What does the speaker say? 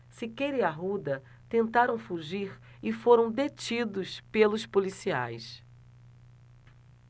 siqueira e arruda tentaram fugir e foram detidos pelos policiais